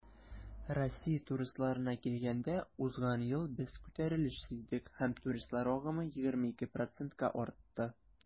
Россия туристларына килгәндә, узган ел без күтәрелеш сиздек һәм туристлар агымы 22 %-ка артты.